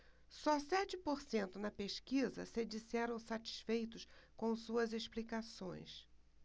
só sete por cento na pesquisa se disseram satisfeitos com suas explicações